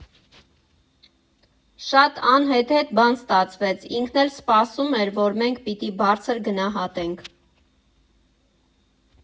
Շատ անհեթեթ բան ստացվեց, ինքն էլ սպասում էր, որ մենք պիտի բարձր գնահատենք։